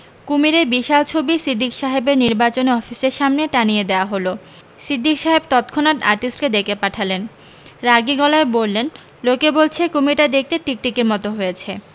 কুমীরের বিশাল ছবি সিদ্দিক সাহেবের নির্বাচনী অফিসের সামনে টানিয়ে দেয়া হল সিদ্দিক সাহেব তৎক্ষণাৎ আর্টিস্টকে ডেকে পাঠালেন রাগী গলায় বললেন লোকে বলছে কুমীরটা দেখতে টিকটিকির মত হয়েছে